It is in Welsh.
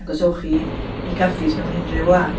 Ac os ewch chi i gaffis mewn unryw wlad...